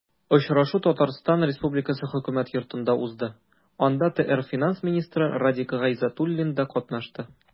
Очрашу Татарстан Республикасы Хөкүмәт Йортында узды, анда ТР финанс министры Радик Гайзатуллин да катнашты.